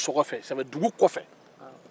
dugu kɔ fɛ